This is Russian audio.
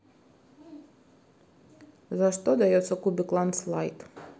за что дается кубик landslide